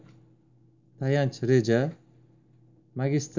tayanch reja